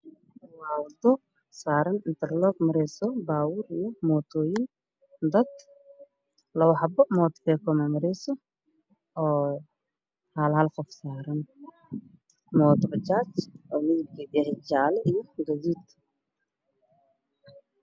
Waa waddo saaran inter lock